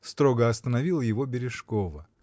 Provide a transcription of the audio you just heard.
— строго остановила его Бережкова.